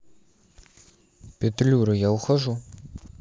петлюра я ухожу